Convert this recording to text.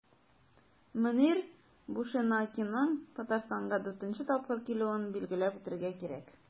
Мөнир Бушенакиның Татарстанга 4 нче тапкыр килүен билгеләп үтәргә кирәк.